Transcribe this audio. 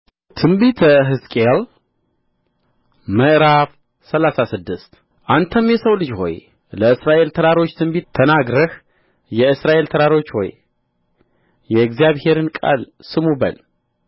በትንቢተ ሕዝቅኤል ምዕራፍ ሰላሳ ስድስት አንተም የሰው ልጅ ሆይ ለእስራኤል ተራሮች ትንቢት ተናግረህ የእስራኤል ተራሮች ሆይ የእግዚአብሔርን ቃል ስሙ በል